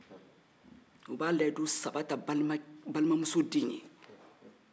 u b'a layidu saba ta balimamuso den ye